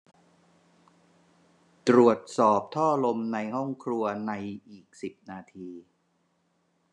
ตรวจสอบท่อลมในห้องครัวในอีกสิบนาที